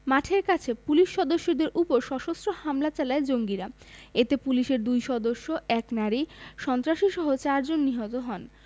মাঠের কাছে পুলিশ সদস্যদের ওপর সশস্ত্র হামলা চালায় জঙ্গিরা এতে পুলিশের দুই সদস্য এক নারী সন্ত্রাসীসহ চারজন নিহত হন